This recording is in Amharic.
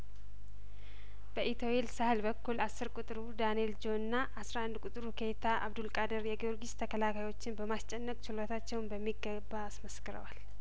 በኢቶ ይል ሳህል በኩል አስር ቁጥር ዳንኤል ጆና አስራ አንድ ቁጥሩ ኬይታ አብዱል ቃድር የጊዮርጊስ ተከላካዮችን በማስጨነቅ ችሎታቸውን በሚገባ አስመስክረዋል